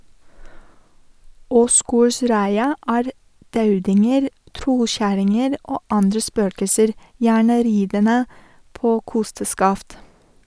Åsgårdsreia er daudinger, trollkjerringer, og andre spøkelser, gjerne ridende på kosteskaft.